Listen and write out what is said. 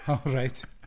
O, reit.